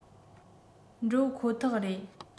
འགྲོ ཁོ ཐག རེད